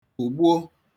kwụ̀gbùo